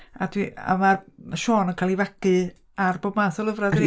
A dwi... a ma' Siôn yn cael ei fagu ar bob math o lyfrau dydi?